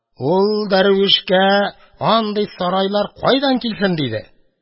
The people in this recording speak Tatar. Ул дәрвишка андый сарайлар кайдан килсен?! – диде.